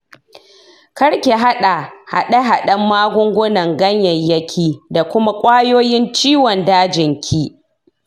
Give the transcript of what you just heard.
karki hada hade-haden magungunan ganyanki da kuma kwayoyn ciwon dajin ki.